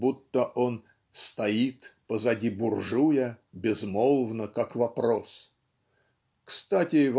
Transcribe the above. будто он "стоит" позади "буржуя" "безмолвно как вопрос" (кстати